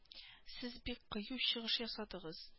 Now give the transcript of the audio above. Сез бик кыю чыгыш ясадыгыз